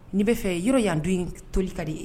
N'i'a fɛ yɔrɔ y yan dun in toli ka de ye